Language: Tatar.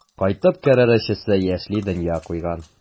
Кайтып керер өчесе яшьли дөнья куйган.